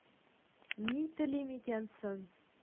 Ни телим икән соң?